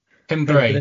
Pembray.